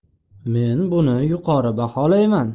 men buni yuqori baholayman